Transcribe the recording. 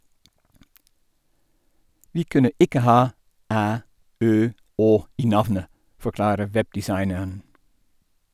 - Vi kunne ikke ha æ, ø, å i navnet, forklarer webdesigneren.